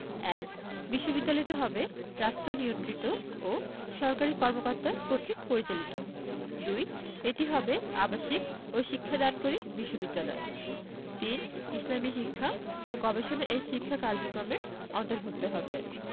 ১. বিশ্ববিদ্যালয়টি হবে রাষ্ট্রনিয়ন্ত্রিত ও সরকারি কর্মকর্তা কর্তৃক পরিচালিত ২. এটি হবে আবাসিক ও শিক্ষাদানকারী বিশ্ববিদ্যালয় ৩. ইসলামী শিক্ষা ও গবেষণা এর শিক্ষা কার্যক্রমের অন্তর্ভুক্ত হবে